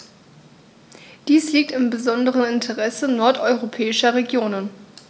Dies liegt im besonderen Interesse nordeuropäischer Regionen.